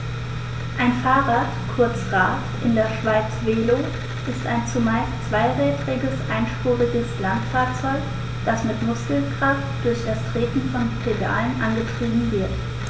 Ein Fahrrad, kurz Rad, in der Schweiz Velo, ist ein zumeist zweirädriges einspuriges Landfahrzeug, das mit Muskelkraft durch das Treten von Pedalen angetrieben wird.